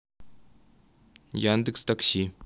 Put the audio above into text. яндекс такси